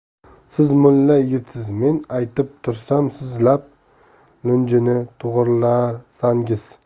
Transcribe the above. siz mulla yigitsiz men aytib tursam siz lab lunjini to'g'rilasangiz